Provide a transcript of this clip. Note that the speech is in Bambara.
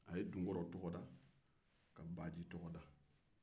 a ye dunkɔrɔ tɔgɔ da ka baji tɔgɔ da